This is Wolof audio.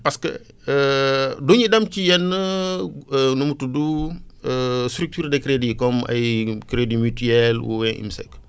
parce que du ñu dem ci yenn nu mu udd structures de crédit yi comme ay ñoom crédit mutuel ou ay ù